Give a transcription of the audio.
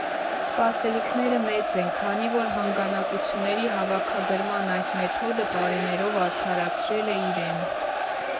Սպասելիքները մեծ են, քանի որ հանգանակությունների հավաքագրման այս մեթոդը տարիներով արդարացրել է իրեն։